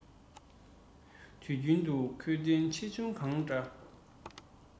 དུས རྒྱུན དུ ཁོས དོན ཆེ ཆུང གང འདྲ